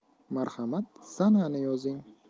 marhamat sanani yozing